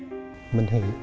mình hiểu